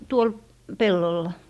tuolla pellolla